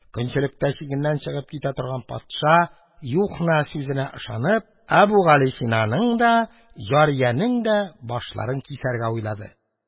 Көнчелектә чигеннән чыгып китә торган патша, Юхна сүзенә ышанып, Әбүгалисинаның да, җариянең дә башларын кисәргә уйлады.